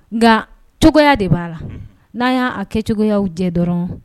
Nka cogoya de b'a la n'a y'a kɛcogo jɛ dɔrɔn